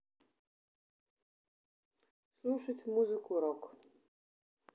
слушать музыку рок